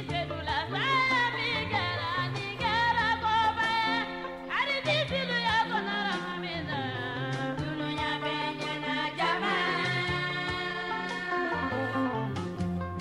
Sedu sabaminiyan ni kɛra ko kɔfɛ wa tɛtigɛya joona minyan j